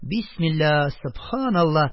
Бисмилла... Сөбханалла.